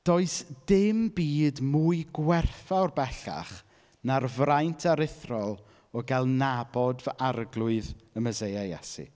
Does dim byd mwy gwerthfawr bellach na'r fraint aruthrol o gael nabod fy arglwydd y Meseia Iesu.